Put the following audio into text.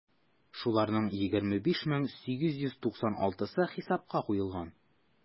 Шуларның 25 мең 896-сы хисапка куелган.